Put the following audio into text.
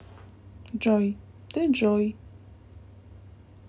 джой ты джой